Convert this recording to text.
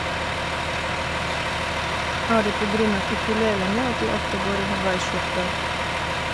- Er det på grunn av ukulelene at du ofte går i hawaiiskjorter?